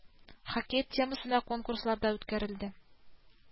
Хакият темасына конкурсларда үткәрелде